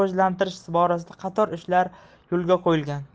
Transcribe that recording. rivojlantirish borasida qator ishlar yo'lga qo'yilgan